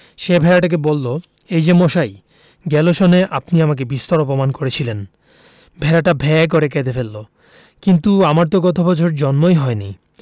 সে ভেড়াটাকে বলল এই যে মশাই গেল সনে আপনি আমাকে বিস্তর অপমান করেছিলেন ভেড়াটা ভ্যাঁ করে কেঁদে ফেলল কিন্তু আমার তো গত বছর জন্মই হয়নি